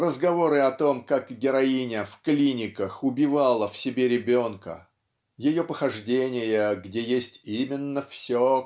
разговоры о том, как героиня в клиниках убивала в себе ребенка ее похождения где есть именно все